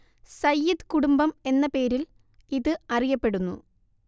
സയ്യിദ് കുടുംബം എന്ന പേരിൽ ഇത് അറിയപ്പെടുന്നു